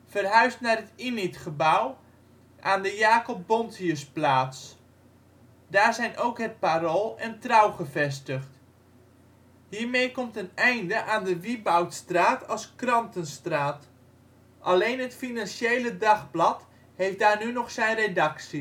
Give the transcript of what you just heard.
verhuisd naar het INIT-gebouw, aan de Jacob Bontiusplaats. Daar zijn ook Het Parool en Trouw gevestigd. Hiermee komt een einde aan de Wibautstraat als " krantenstraat ", alleen Het Financieele Dagblad heeft daar nu nog zijn redactie